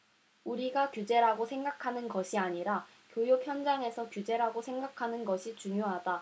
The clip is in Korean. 우리가 규제라고 생각하는 것이 아니라 교육 현장에서 규제라고 생각하는 것이 중요하다